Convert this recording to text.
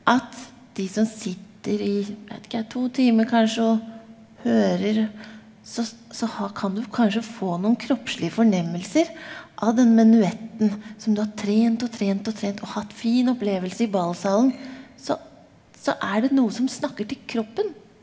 at de som sitter i, jeg veit ikke jeg, to timer kanskje og hører så så har kan du kanskje få noen kroppslige fornemmelser av den menuetten som du har trent og trent og trent og hatt fin opplevelse i ballsalen så så er det noe som snakker til kroppen.